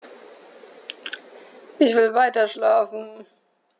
Ich will weiterschlafen.